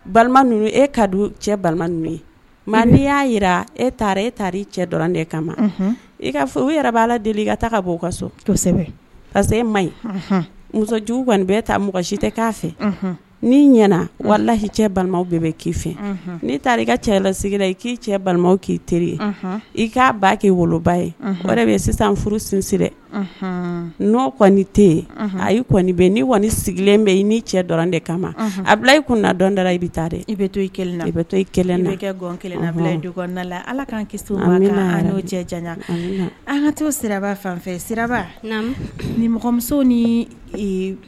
A deli muso' i k' woloba ye bɛ sisan furu sin n'o kɔni tɛ a bɛ niɔni sigilen bɛ ye i ni cɛ dɔrɔn de kama a bila i kun na dɔnda i bɛ taa i bɛ to i i to i i la alaan cɛ an ka siraba fan siraba ni mɔgɔmuso ni